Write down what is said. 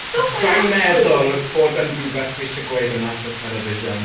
Not by Andrew!... Sa i'n meddwl bod e'n rhywbeth ti isie gweud ar national television.